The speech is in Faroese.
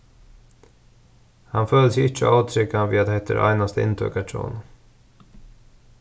hann følir seg ikki ótryggan við at hetta er einasta inntøkan hjá honum